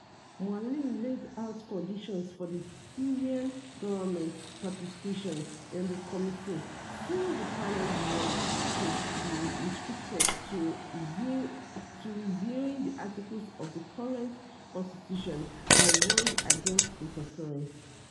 Moualem laid out conditions for the Syrian government's participation in the committee, saying the panel's work should be restricted "to reviewing the articles of the current constitution," and warned against interference.